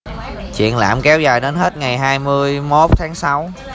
triển lãm kéo dài đến hết ngày hai mươi mốt tháng sáu